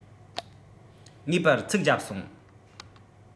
ངེས པར ཚིགས རྒྱབ སོང